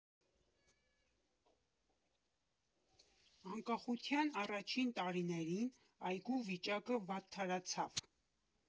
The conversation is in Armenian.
Անկախության առաջին տարիներին այգու վիճակը վատթարացավ։